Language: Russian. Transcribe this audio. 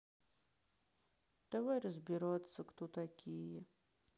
давай разбираться кто такие